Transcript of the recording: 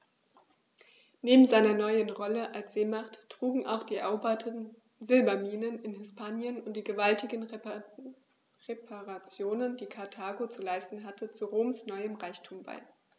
Neben seiner neuen Rolle als Seemacht trugen auch die eroberten Silberminen in Hispanien und die gewaltigen Reparationen, die Karthago zu leisten hatte, zu Roms neuem Reichtum bei.